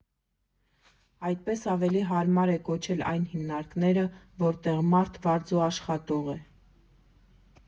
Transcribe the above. Այդպես ավելի հարմար է կոչել այն հիմնարկները, որտեղ մարդ վարձու աշխատող է։